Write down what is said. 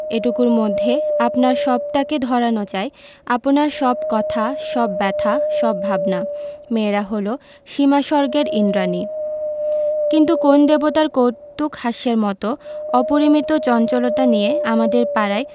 এটুকুর মধ্যে আপনার সবটাকে ধরানো চাই আপনার সব কথা সব ব্যাথা সব ভাবনা মেয়েরা হল সীমাস্বর্গের ঈন্দ্রাণী কিন্তু কোন দেবতার কৌতূকহাস্যের মত অপরিমিত চঞ্চলতা নিয়ে আমাদের পাড়ায়